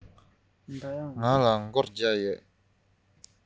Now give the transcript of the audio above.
ང ལ སྒོར བརྒྱ ཡོད